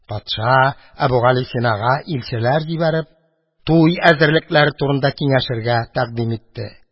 Патша, Әбүгалисинага илчеләр җибәреп, туй әзерлекләре турында киңәшергә тәкъдим итте.